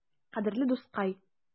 Кадерле дускай!